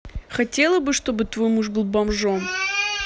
хотела бы чтобы твой муж был бы бомжом